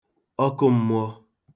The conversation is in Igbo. ọkụm̄mụ̄ọ̄